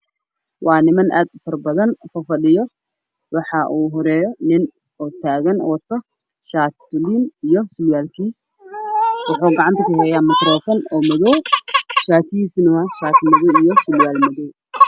Waa niman aad u faro badan oo fadhiyo waxaa ugu horeeyo nin taagan waxuu wataa shaati iyo surwaalkiis. Waxuu gacanta kuhayaa makaroofan oo madow. Shaati waa madow surwaalkana waa madow.